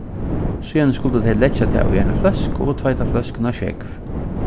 síðani skuldu tey leggja tað í eina fløsku og tveita fløskuna á sjógv